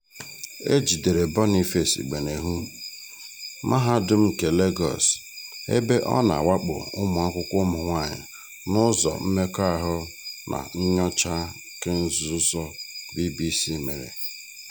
E jidere Boniface Igbeneghu, Mahadum nke Legọọsụ, ebe ọ na-awakpo ụmụakwụkwọ ụmụ nwaanyị n'ụzọ mmekọahụ na nnyocha kenzụzọ BBC mere.